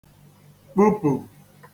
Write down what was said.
-kpupù